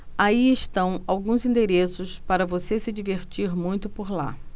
aí estão alguns endereços para você se divertir muito por lá